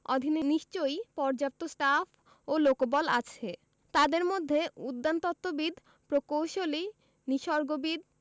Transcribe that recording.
অধীনে নিশ্চয়ই পর্যাপ্ত স্টাফ ও লোকবল আছে তাদের মধ্যে উদ্যানতত্ত্ববিদ প্রকৌশলী নিসর্গবিদ